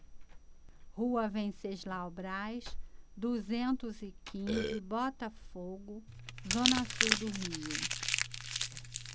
rua venceslau braz duzentos e quinze botafogo zona sul do rio